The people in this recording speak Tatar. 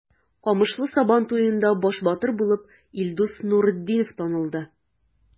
Камышлы Сабан туенда баш батыр булып Илдус Нуретдинов танылды.